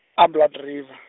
a Blood River.